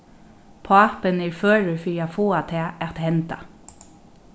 pápin er førur fyri at fáa tað at henda